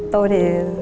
tôi thì